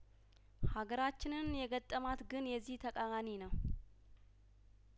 ሀገራችንን የገጠማት ግን የዚህ ተቃራኒ ነው